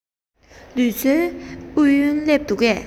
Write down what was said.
ངལ རྩོལ ཨུ ཡོན སླེབས འདུག གས